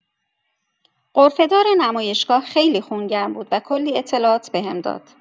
غرفه‌دار نمایشگاه خیلی خونگرم بود و کلی اطلاعات بهم داد.